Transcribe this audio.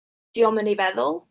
'Di o'm yn ei feddwl.